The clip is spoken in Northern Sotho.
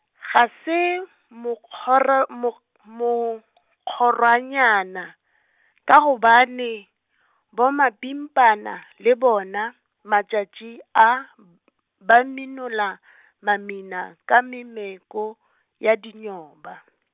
ga se mo kgora mokh- mokhoranyana, ka gobane, bomapimpana le bona, matšatši a b-, ba minola , mamina, ka mameko, ya dinyoba.